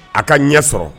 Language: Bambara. A ka ɲɛ sɔrɔ